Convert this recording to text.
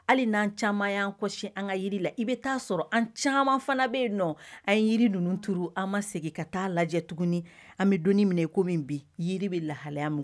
Hali n'an caman'an kosi an ka yiri la i bɛ taa sɔrɔ an caman fana bɛ yen nɔ a ye yiri ninnu duuruuru an ma segin ka taa lajɛ tuguni an bɛ don minɛ ko min bi yiri bɛ lahalaya min